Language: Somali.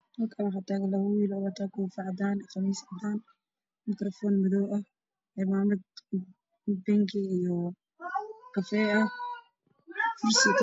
Halkan waxaa tagan laba wiil oo watan kofi cadan ah iyo qamiisyo cadan ah makarafon madoow ah cimamad bingi iyo kafeey ah